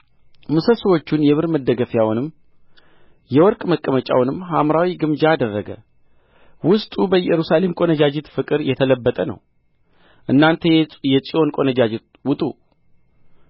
ምሰሶቹን የብር መደገፊያውንም የወርቅ መቀመጫውንም ሐምራዊ ግምጃ አደረገ ውስጡ በኢየሩሳሌም ቈነጃጅት ፍቅር የተለበጠ ነው እናንተ የጽዮን ቈነጃጅት ውጡ